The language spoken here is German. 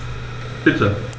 Bitte.